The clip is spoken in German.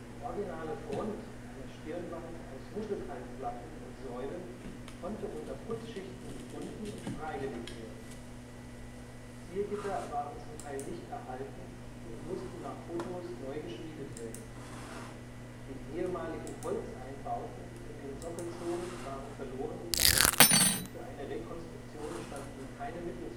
originale Front einer Stirnwand aus Muschelkalk-Platten und - Säulen konnte unter Putzschichten gefunden und freigelegt werden. Ziergitter waren zum Teil nicht erhalten und mussten nach Fotos neu geschmiedet werden. Die ehemaligen Holzeinbauten in den Sockelzonen waren verloren gegangen und für eine Rekonstruktion standen keine Mittel